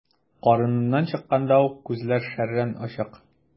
Карыныннан чыкканда ук күзләр шәрран ачык.